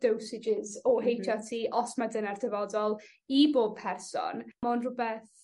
dosages o Heitch Are Tee os mae dynna'r dyfodol i bob person. Ma' o'n rhwbeth